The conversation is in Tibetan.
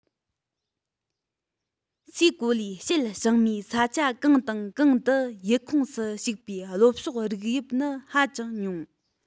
སའི གོ ལའི ཕྱེད བྱང མའི ས ཆ གང དང གང དུ ཡུལ ཁོངས སུ ཞུགས པའི ལྷོ ཕྱོགས རིགས དབྱིབས ནི ཧ ཅང ཉུང